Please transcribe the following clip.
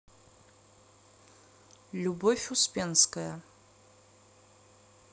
любовь успенская